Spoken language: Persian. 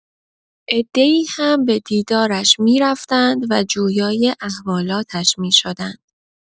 عده‌ای هم به دیدارش می‌رفتند و جویای احوالاتش می‌شدند.